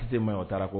Sise maɲi o taara fo